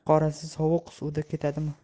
sovuq suvga ketadimi